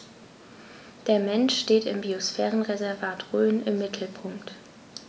Der Mensch steht im Biosphärenreservat Rhön im Mittelpunkt.